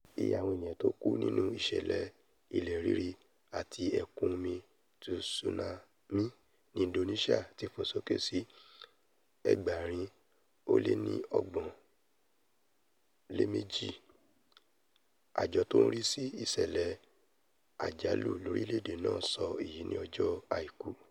Iye àwọn ènìyàn tó kú nínú ìṣẹ̀lẹ̀ ilẹ̀ rírì àti ẹ̀kún omi tsunami ní Indonesia ti fò sóke sí 832, àjọ tó ń rísí ìṣẹ̀lẹ̀ àjálù lórílẹ̀-èdè náà sọ èyí ní ọjọ́ Àìkú.